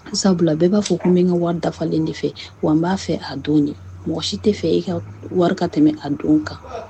Sabula bɛɛ b'a fɔ ko n bɛ n ka wari dafalen de fɛ, wa n b'a fɛ a don in, mɔgɔ si tɛ fɛ e ka wari ka tɛmɛ a don kan!